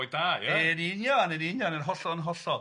Yn union, yn union, yn hollol yn hollol.